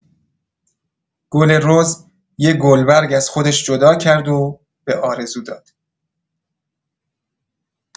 گل رز یه گلبرگ از خودش جدا کرد و به آرزو داد.